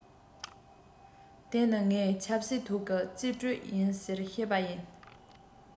དེ ནི ངའི ཆབ སྲིད ཐོག གི རྩིས སྤྲོད ཡིན ཟེར བཤད པ ཡིན